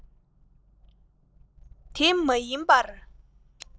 དེ མ ཡིན པར